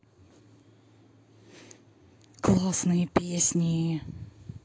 классные песни